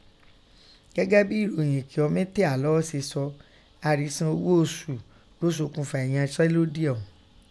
Gẹ́gẹ́ bín èròyìn kí ọ́ mí tẹ̀álọ́ghọ́ se sọ, àrìsan oghó osù lọ́ sokùnfà ẹ̀yanṣẹ́lódì ọ̀ún.